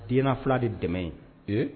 Dennafila de dɛmɛ ye ee